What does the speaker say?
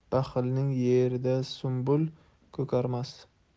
baxilning yerida sunbul ko'karmas